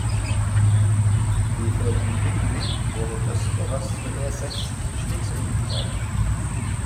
Vi får en bygdeby både øst og vest for E6, slik som i Oppdal.